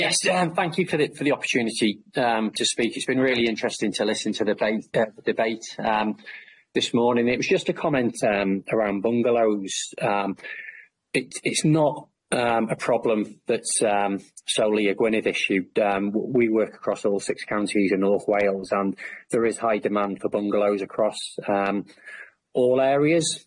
Yym yes yym thank you for the for the opportunity yym to speak it's been really interesting to listen to the debate yy the debate yym this morning it was just a comment yym around bungalows yym it it's not yym a problem that yym solely y Gwynedd issued yym w- we work across all six counties in North Wales and there is high demand for bungalows across yym all areas.